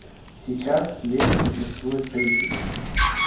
сейчас le существует припять